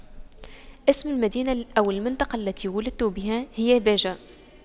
اسم المدينة أو المنطقة التي ولدت بها هي باجة